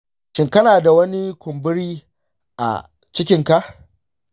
shin kana da wani kumburi a cikinka?